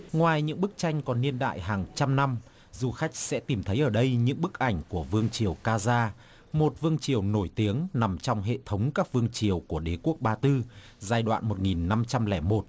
ngoài những bức tranh có niên đại hàng trăm năm du khách sẽ tìm thấy ở đây những bức ảnh của vương triều ca gia một vương triều nổi tiếng nằm trong hệ thống các vương triều của đế quốc ba tư giai đoạn một nghìn năm trăm lẻ một